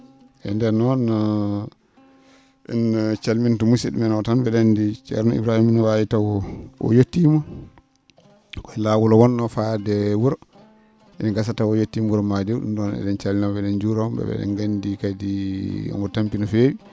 e ndeen noon en calminto musid?o men oo tan mbi?o anndi ceerno Ibrahima no waawi taw o yettiima koye laawol o wonnoo faade wuro ene gasa taw o yettiima wuro Madiw ?um noon e?en calmina mo e?en njuuroo mo e?en nganndi kadi o tampii no feewi